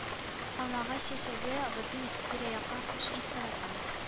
Алмагач чәчәге бөтен тирә-якка хуш ис тарата.